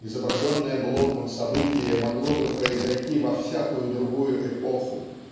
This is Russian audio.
Изображенное Блоком событие могло бы произойти во всякую другую эпоху